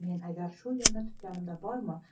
men agar shu yo'lni tutganimda bormi